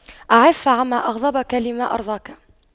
اعف عما أغضبك لما أرضاك